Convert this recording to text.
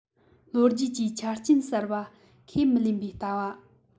ལོ རྒྱུས ཀྱི ཆ རྐྱེན གསར པ ཁས མི ལེན པའི ལྟ བ